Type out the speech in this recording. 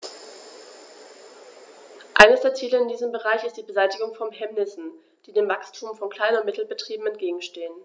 Eines der Ziele in diesem Bereich ist die Beseitigung von Hemmnissen, die dem Wachstum von Klein- und Mittelbetrieben entgegenstehen.